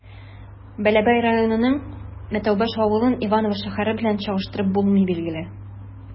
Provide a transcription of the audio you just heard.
Бәләбәй районының Мәтәүбаш авылын Иваново шәһәре белән чагыштырып булмый, билгеле.